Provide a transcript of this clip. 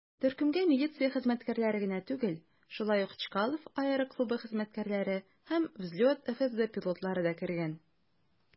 Төркемгә милиция хезмәткәрләре генә түгел, шулай ук Чкалов аэроклубы хезмәткәрләре һәм "Взлет" ФСБ пилотлары да кергән.